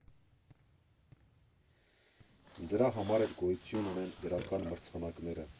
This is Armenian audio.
Դրա համար էլ գոյություն ունեն գրական մրցանակները։